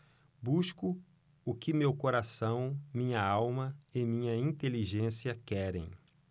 busco o que meu coração minha alma e minha inteligência querem